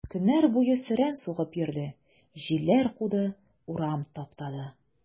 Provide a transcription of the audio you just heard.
Көннәр буе сөрән сугып йөрде, җилләр куды, урам таптады.